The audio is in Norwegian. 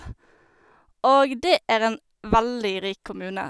Og det er en veldig rik kommune.